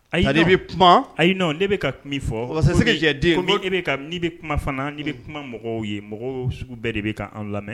Ayi ale bɛ kuma ayi bɛ ka kuma fɔ masaseden bɛ kuma fana ni bɛ kuma mɔgɔw ye mɔgɔw sugu bɛɛ de bɛan lamɛn